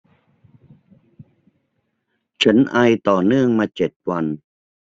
ฉันไอต่อเนื่องมาเจ็ดวัน